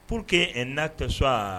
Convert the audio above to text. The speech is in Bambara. Pour que un acte soit